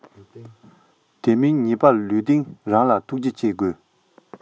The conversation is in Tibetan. དེ མིན ཉེས པ ལུས སྟེང རང ལ ཐུགས རྗེ ཆེ དགོས